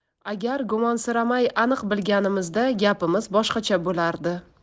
agar gumonsiramay aniq bilganimizda gapimiz boshqacha bo'lardi